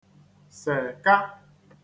sèka